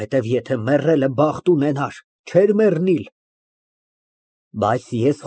Ուրեմն ճի՞շտ է, որ մեզ սպառնում է սնանկություն։ ՄԱՐԳԱՐԻՏ ֊ Ախ, քեզ սնանկությունն է անհանգստացնում, իսկ ինձ տանջում է անպատվությունը։